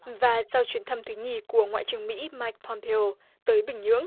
và sau chuyến thăm thứ nhì của ngoại trưởng mỹ mai bom bê ô tới bình nhưỡng